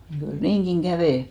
mutta kyllä niinkin kävi